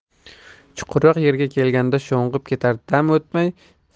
chuqurroq yerga kelganda sho'ng'ib ketar dam o'tmay